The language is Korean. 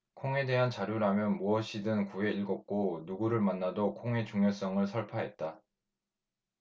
콩에 대한 자료라면 무엇이든 구해 읽었고 누구를 만나도 콩의 중요성을 설파했다